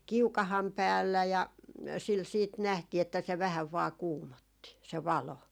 kiukaan päällä ja sillä sitten nähtiin että se vähän vain kuumotti se valo